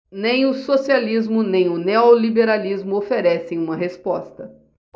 nem o socialismo nem o neoliberalismo oferecem uma resposta